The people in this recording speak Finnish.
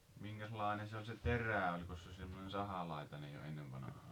minkäslainen se oli se terä olikos se semmoinen sahalaitainen jo ennen vanhaan